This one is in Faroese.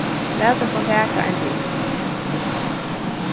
lat okkum taka ein dyst